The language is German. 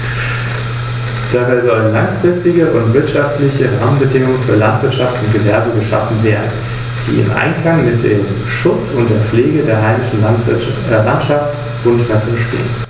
Das Fell der Igel ist meist in unauffälligen Braun- oder Grautönen gehalten.